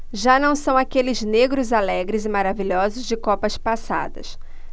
já não são aqueles negros alegres e maravilhosos de copas passadas